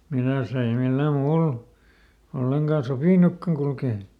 milläs ei millään muulla ollenkaan sopinutkaan kulkea